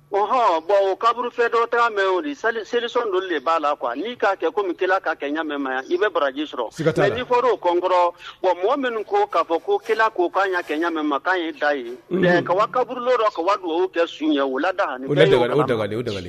Ɔ hɔ bɔn o kaburufɛ dɔ taga mɛn o selisɔn dɔ de b'a la kuwa n' k'a kɛ ko ka kɛ ɲamɛma yan i bɛ baraji sɔrɔ di fɔ kɔn kɔrɔ wa mɔgɔ minnu ko k'a fɔ ko k'kan ɲɛ kɛ ɲamɛma kan ye da ye ka kaburula kadu kɛ sun ye wulada